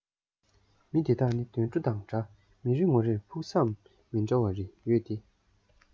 མི དེ དག ནི དུད འགྲོ དང འདྲ མི རེ ངོ རེར ཕུགས བསམ མི འདྲ བ རེ ཡོད དེ